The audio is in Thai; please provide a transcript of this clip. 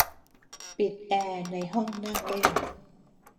ปิดแอร์ในห้องนั่งเล่น